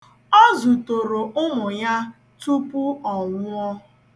Ọ zụtoro ụmụ ya tupu ọ nwụọ.